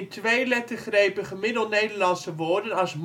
tweelettergrepige Middelnederlandse woorden als